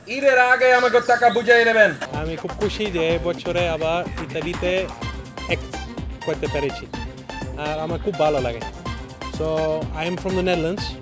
ঈদের আগে আমাগো টাকা বুঝাইয়া দিবেন আমি খুব খুশি যে বছরে আবার ইত্যাদিতে অ্যাড হতে পেরেছি আমার খুব ভালো লাগে আই এম ফ্রম নেদারল্যান্ড